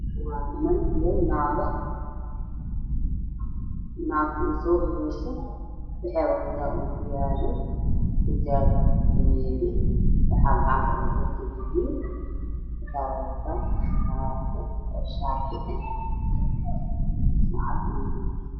Waa niman innagoo isla socdo nabta ugu horeyso waxay qabtaa tijaab weyn waxay gacanta ku wadataa jijin waxaa ka dambeeyo nin dhar kale qabo or